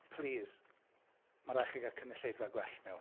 Plis, mae'n rhaid i chi gael cynulleidfa gwell mewn.